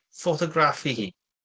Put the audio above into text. ffotograff i hi.